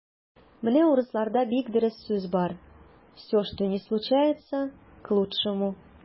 Менә урысларда бик дөрес сүз бар: "все, что ни случается - к лучшему".